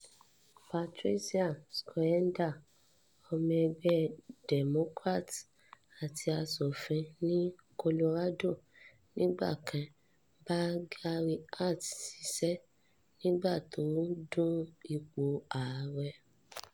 Patricia Schroeder, ọmọ ẹgbẹ́ Democrat àti aṣòfin ní Colorado nígbà kan, bá Gary Hart ṣiṣẹ́ nígbà tó n du ipò ààrẹ.